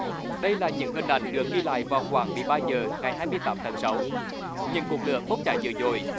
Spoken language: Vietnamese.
đây là những hình ảnh được ghi lại vào khoảng mười ba giờ ngày hai mươi tám tháng sáu những cột lửa bốc cháy dữ dội